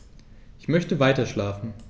Ich möchte weiterschlafen.